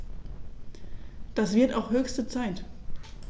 Das wird auch höchste Zeit!